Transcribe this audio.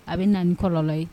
A bɛ na ni kɔlɔlɔ ye.